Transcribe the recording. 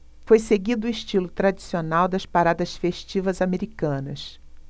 foi seguido o estilo tradicional das paradas festivas americanas